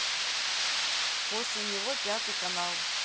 после него пятый канал